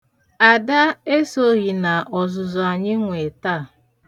Ada esoghị n'ọzụzụ anyị nwe taa.